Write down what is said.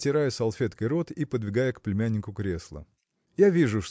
отирая салфеткой рот и подвигая к племяннику кресло – я вижу